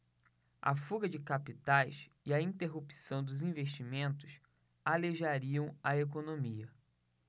a fuga de capitais e a interrupção dos investimentos aleijariam a economia